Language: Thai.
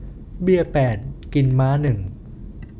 เบี้ยแปดกินม้าหนึ่ง